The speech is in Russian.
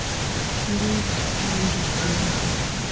пирог с курицей